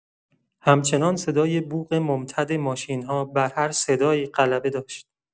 همچنان صدای بوق ممتد ماشین‌ها بر هر صدایی غلبه داشت.